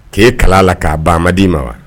K' ye kala la k'a ban di ma wa